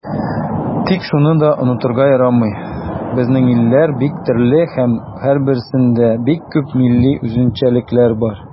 Тик шуны да онытырга ярамый, безнең илләр бик төрле һәм һәрберсендә бик күп милли үзенчәлекләр бар.